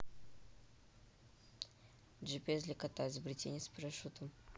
gps для кота изобретение с парашютом